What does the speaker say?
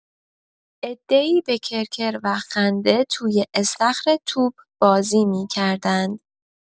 عده‌ای به کرکر و خنده توی استخر توپ‌بازی می‌کرند.